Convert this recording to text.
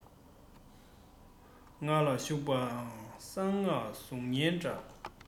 སྔགས ལ ཞུགས པ གསང སྔགས གཟུགས བརྙན འདྲ